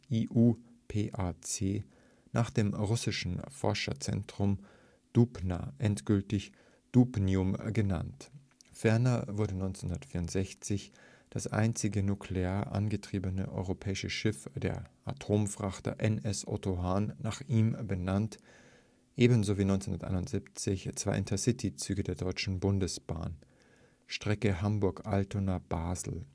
IUPAC nach dem russischen Forschungszentrum in Dubna endgültig Dubnium genannt. Ferner wurde 1964 das einzige nuklear angetriebene europäische Schiff, der Atomfrachter NS Otto Hahn, nach ihm benannt, ebenso wie 1971 zwei Intercity-Züge der Deutschen Bundesbahn (Strecke Hamburg-Altona – Basel